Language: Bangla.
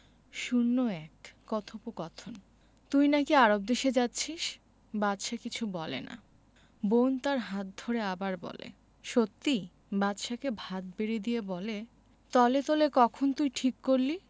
০১ কথোপকথন তুই নাকি আরব দেশে যাচ্ছিস বাদশা কিছু বলে না বোন তার হাত ধরে আবার বলে সত্যি বাদশাকে ভাত বেড়ে দিয়ে বলে তলে তলে কখন তুই ঠিক করলি